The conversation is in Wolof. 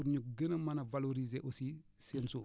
pour ñu gën a mën a valoriser aussi seen suuf